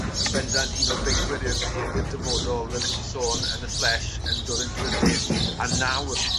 m- yn bendant un o beicwyr i'r i- i'r dyfodol fel nes di sôn yn y Flèche yn dod yn drydydd a nawr